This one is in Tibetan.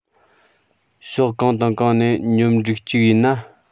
ཕྱོགས གང དང གང ནས སྙོམས འགྲིག ཅིག ཡིན ན